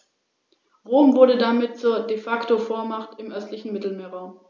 Aus diesen ergibt sich als viertes die Hinführung des Besuchers zum praktischen Naturschutz am erlebten Beispiel eines Totalreservats.